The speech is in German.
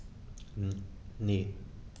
Ne.